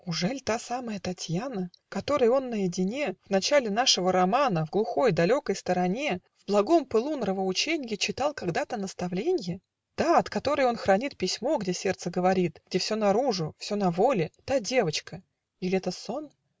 Ужель та самая Татьяна, Которой он наедине, В начале нашего романа, В глухой, далекой стороне, В благом пылу нравоученья, Читал когда-то наставленья, Та, от которой он хранит Письмо, где сердце говорит, Где все наруже, все на воле, Та девочка. иль это сон?.